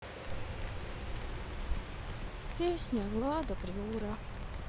песня лада приора